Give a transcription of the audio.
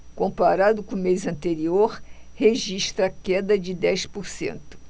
comparado com o mês anterior registra queda de dez por cento